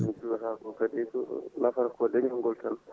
ko joue :fea wata ko kadi nafata ko leeñol ngol tan